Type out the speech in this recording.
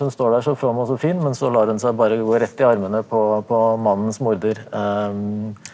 hun står der så from og så fin men så lar hun seg bare gå rett i armene på på mannens morder .